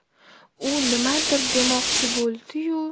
u nimadir demoqchi bo'ldi yu